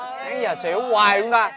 nãy giờ xỉu hoài luôn à